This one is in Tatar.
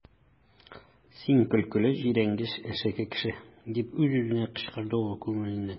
Син көлкеле, җирәнгеч, әшәке кеше! - дип үз-үзенә кычкырды ул күңеленнән.